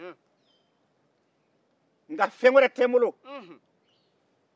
nka fɛn wɛrɛ tɛ n bolo